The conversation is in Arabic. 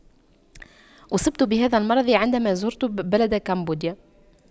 أصبت بهذا المرض عندما زرت ببلد كمبوديا